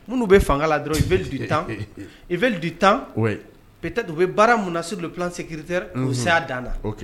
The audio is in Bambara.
Minnu bɛ fanga la dɔrɔn ils veulent du temps, ils veulent du temps, peut être u bɛ baara min na sur le plan sécuritaire o bɛ se a dan na